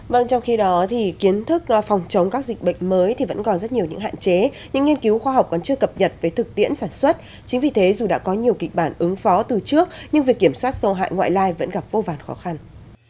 vâng trong khi đó thì kiến thức phòng chống các dịch bệnh mới thì vẫn còn rất nhiều những hạn chế những nghiên cứu khoa học còn chưa cập nhật với thực tiễn sản xuất chính vì thế dù đã có nhiều kịch bản ứng phó từ trước nhưng việc kiểm soát sâu hại ngoại lai vẫn gặp vô vàn khó khăn